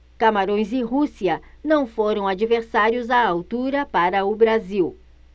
camarões e rússia não foram adversários à altura para o brasil